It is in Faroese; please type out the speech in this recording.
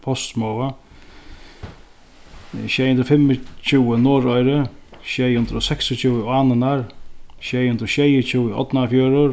postsmoga sjey hundrað og fimmogtjúgu norðoyri sjey hundrað og seksogtjúgu ánirnar sjey hundrað og sjeyogtjúgu árnafjørður